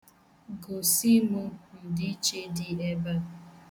Gosi mụ ndiiche dị ebea.